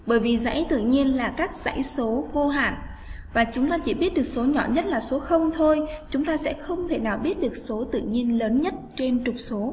bởi vì dãy tự nhiên là các dãy số vô hạn và chúng ta chỉ biết được số nhỏ nhất là số không thôi ta sẽ không thể nào biết được số tự nhiên lớn nhất trên trục số